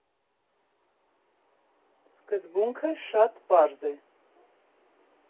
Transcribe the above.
Սկզբունքը շատ պարզ է.